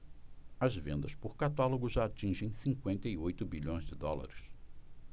as vendas por catálogo já atingem cinquenta e oito bilhões de dólares